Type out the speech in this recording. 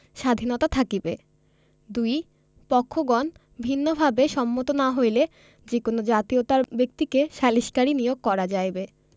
স্বাধীনতা থাকিবে ২ পক্ষগণ ভিন্নভাবে সম্মত না হইলে যে কোন জাতীয়তার ব্যক্তিকে সালিসকারী নিয়োগ করা যাইবে